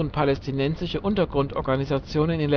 palästinensische Untergrundorganisationen